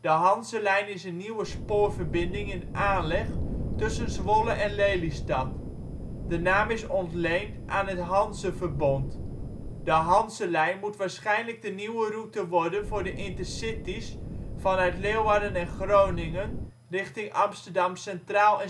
De Hanzelijn is een nieuwe spoorverbinding in aanleg tussen Zwolle en Lelystad. De naam is ontleend aan het Hanzeverbond. De Hanzelijn moet waarschijnlijk de nieuwe route worden voor de Intercity 's vanuit Leeuwarden en Groningen richting Amsterdam Centraal